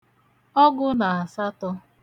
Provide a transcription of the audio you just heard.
ọgụ̄ nà àsatọ̄